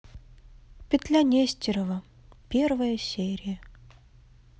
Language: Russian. петля нестерова первая серия